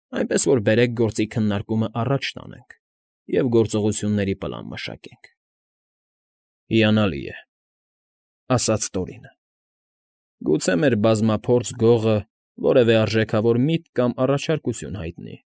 Այնպես որ բերեք քննարկումն առաջ տանենք և գործողությունների պլան մշակենք։ ֊ Հիանալի է, ֊ ասաց Տորինը։ ֊ Գուցե մեր բազմափորձ գողը որևէ արժեքավոր միտք կամ առաջարկություն հայտնի։֊